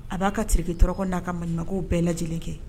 A b'a ka ki t n'a ka ma bɛɛ la lajɛlen kɛ